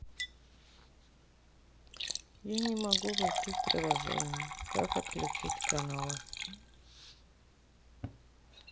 я не могу войти в приложение как отключить каналы